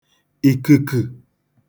ìkùkù